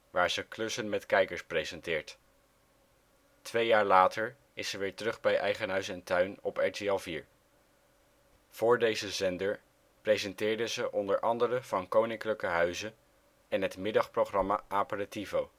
waar ze Klussen met kijkers presenteert. Twee jaar later is ze weer terug bij Eigen Huis & Tuin op RTL 4. Voor deze zender presenteerde ze onder andere Van Koninklijke Huize en het middagprogramma Aperitivo